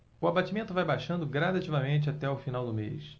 o abatimento vai baixando gradativamente até o final do mês